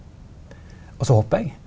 også hoppar eg.